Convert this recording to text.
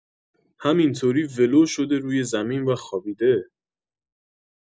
همینطوری ولو شده روی زمین و خوابیده